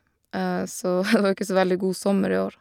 Så, det var jo ikke så veldig god sommer i år.